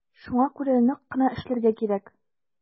Шуңа күрә нык кына эшләргә кирәк.